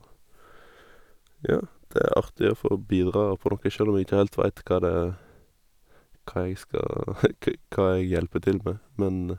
Ja, det er artig å få bidra på noe, sjøl om jeg ikke heilt vet hva det hva jeg skal k hva jeg hjelper til med, men...